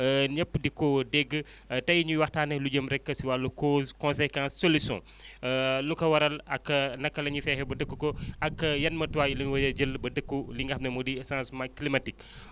ñëpp di ko dégg tey ñuy waxtaanee lu jëm rek si wàllu causes conséquences solutions lu ko waral ak naka la ñuy fexe ba dékku ko ak yan matuwaay la ñu war a jël ba dékku li nga xam ne moo di changement climatique